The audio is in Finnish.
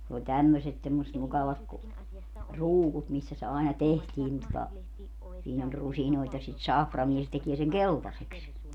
ne oli tämmöiset semmoiset mukavat kun ruukut missä se aina tehtiin niin tuota siinä oli rusinoita ja sitä saframia se tekee sen keltaiseksi